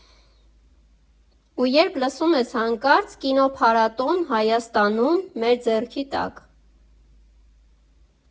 Ու երբ լսում ես հանկարծ կինոփառատո՜ն, Հայաստանու՜մ, մեր ձեռքի տա՜կ…